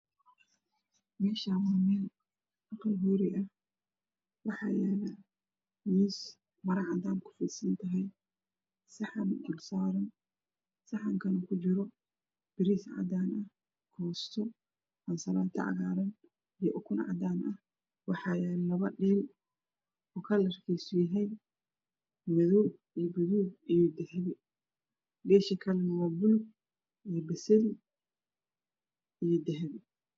Meshaan waa meel aqal hoori ah waxa ayala miis mara cadaan ku fidsan tahy saxan kana ku jiro pariis cadaan ah costa cagaaran iyo ukun cadaan ah waxaa yala lapa dhiil oo kalarkiisa yahy madow iyo gaduud iyo dahpi dhiisha kalane waa paluug iyo dahpi